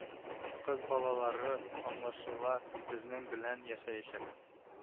Кыз балалары аңлашыла безнең белән яшәячәк